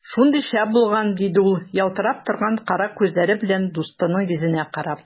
Шундый шәп булган! - диде ул ялтырап торган кара күзләре белән дусының йөзенә карап.